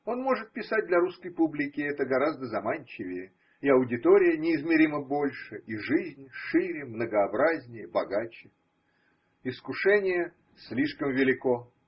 Он может писать для русской публики, это гораздо заманчивее – и аудитория неизмеримо больше, и жизнь шире, многообразнее, богаче. Искушение слишком велико.